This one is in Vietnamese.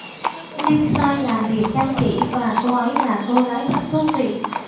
lindsay làm việc chăm chỉ và cô ấy là cô gái rất thú vị